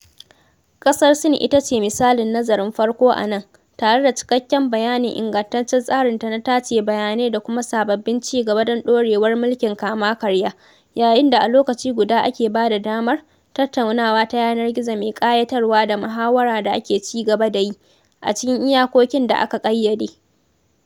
Ƙasar Sin ita ce misalin nazarin farko a nan, tare da cikakken bayanin ingantaccen tsarinta na tace bayanai da kuma sababbin ci gaba don ɗorewar mulkin kama-karya, yayin da a lokaci guda ake ba da damar “…tattaunawa ta yanar gizo mai ƙayatarwa da muhawara da ake ci gaba da yi, a cikin iyakokin da aka ƙayyade.”